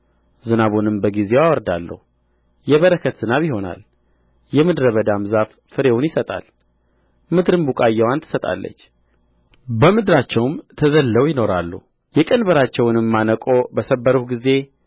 ዝናቡንም በጊዜው አወርዳለሁ የበረከት ዝናብ ይሆናል የምድረ በዳም ዛፍ ፍሬውን ይሰጣል ምድርም ቡቃያዋን ትሰጣለች በምድራቸውም ተዘልለው ይኖራሉ የቀንበራቸውንም ማነቆ በሰበርሁ ጊዜ